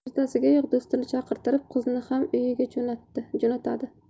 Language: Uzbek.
ertasigayoq do'stini chaqirtirib qizni ham uyiga jo'natadi